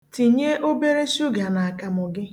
Tinye obere shuga na akamụ gị